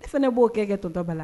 I fana b'o kɛ tɔtɔba la